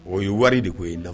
O ye wari de' ye lafi